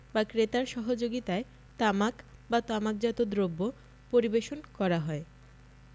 বা ক্রেতার সহযোগিতায় তামাক বা তামাকজাত দ্রব্য পরিবেশন করা হয়